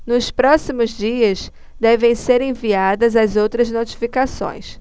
nos próximos dias devem ser enviadas as outras notificações